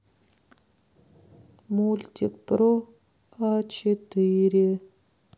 мультик про а четыре